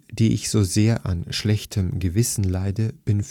die ich so sehr an schlechtem Gewissen leide, bin